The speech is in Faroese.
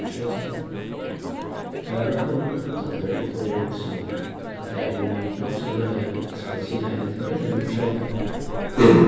persónstali tá eg var komin út aftur fór eg at hugsa um at tað er nú nokk so løgið at skula siga einum tilvildarligum persóni